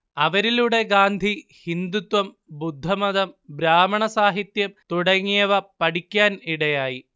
അവരിലുടെ ഗാന്ധി ഹിന്ദുത്വം ബുദ്ധമതം ബ്രാഹ്മണ സാഹിത്യം തുടങ്ങിയവ പഠിക്കാൻ ഇടയായി